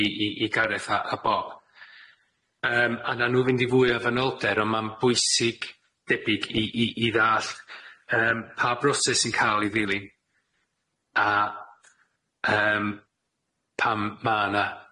i i i Gareth a a Bob yym a nawn nw fynd i fwy o fanylder on' ma'n bwysig debyg i i i ddalld yym pa broses sy'n ca'l i ddilyn a yym pan ma' na